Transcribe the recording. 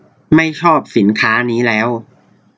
ไม่ชอบสินค้านี้แล้ว